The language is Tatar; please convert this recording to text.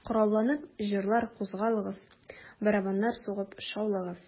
Коралланып, җырлар, кузгалыгыз, Барабаннар сугып шаулагыз...